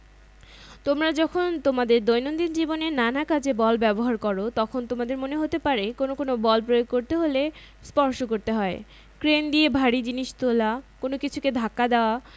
নিউটনের প্রথম সূত্র থেকে বলটা কী সেটা বুঝতে পারি কিন্তু পরিমাপ করতে পারি না দ্বিতীয় সূত্র থেকে আমরা বল পরিমাপ করা শিখব